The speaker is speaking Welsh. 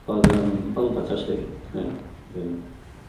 o'dd yym o'dd o'n ffantastic. Ie ie.